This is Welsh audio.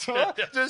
t'mo? Jyst